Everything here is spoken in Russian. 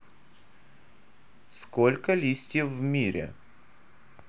сколько листьев в мире